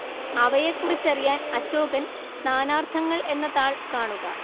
അവയെക്കുറിച്ചറിയാന്‍ അശോകന്‍ നാനാര്‍ത്ഥങ്ങള്‍ എന്ന താള്‍ കാണുക